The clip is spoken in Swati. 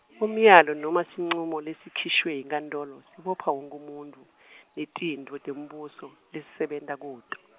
umyalo nome sincumo lesikhishwe yinkantolo, sibopha wonkhe umuntfu , netintfo tembuso, lesisebenta kuto.